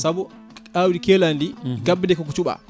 saabu awdi keeladi ndi gabbe ɗe koko cuuɓa